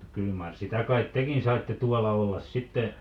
kyllä mar sitä kait tekin saitte tuolla olla sitten